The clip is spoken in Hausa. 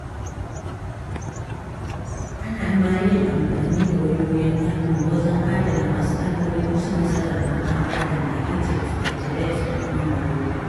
Ana ma yin amfani da wayoyin hannu wajen adana mas'alolin cin zarafin ɗan-adam a Egypt da Tibet da kuma Morocco.